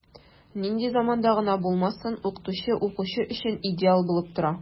Нинди заманда гына булмасын, укытучы укучы өчен идеал булып тора.